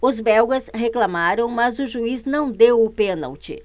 os belgas reclamaram mas o juiz não deu o pênalti